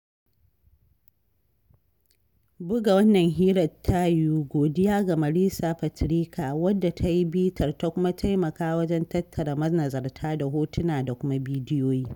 Buga wannan hirar ta yiwu, godiya ga Marisa Petricca, wadda ta yi bitar ta kuma ta taimaka wajen tattara manazarta da hotuna da kuma bidiyoyi.